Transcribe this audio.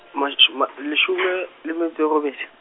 mash- ma-, leshome, le metso e robedi.